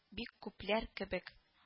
Бик күпләр кебек